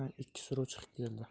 yana ikki suruv chiqib keldi